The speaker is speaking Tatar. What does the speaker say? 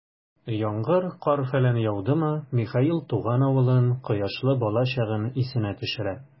Яңгыр, кар-фәлән яудымы, Михаил туган авылын, кояшлы балачагын исенә төшерә.